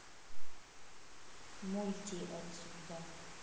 мульти отсюда